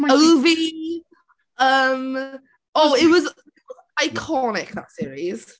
Ovie? Uhm oh it was iconic that series.